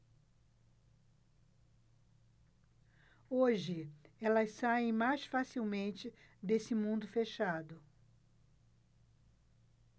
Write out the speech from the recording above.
hoje elas saem mais facilmente desse mundo fechado